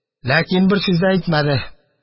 Ләкин бер сүз дә әйтмәде.